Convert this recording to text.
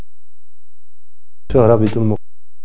سكس عربي